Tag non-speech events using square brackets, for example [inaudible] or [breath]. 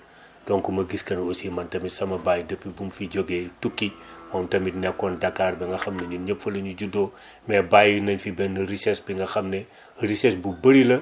[breath] donc ma gis que ni aussi man tamit sama baay depuis bum fi jógee tukki [noise] moom tamit nekkoon Dakar ba nga xam ne ñun ñëpp fa la ñu juddoo [inhales] mais bàyyi nañ fi benn richesse bi nga xam ne [inhales] richesse bu bëri la